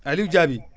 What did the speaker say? Aliou Diaby